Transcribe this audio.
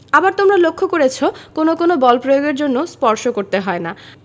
আবার তোমরা লক্ষ করেছ কোনো কোনো বল প্রয়োগের জন্য স্পর্শ করতে হয় না